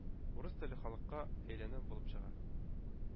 «урыс телле халык»ка әйләнәм булып чыга.